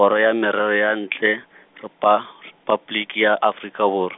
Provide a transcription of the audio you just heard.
Kgoro ya Merero ya Ntle, Repa-, Repabliki ya Afrika Borw-.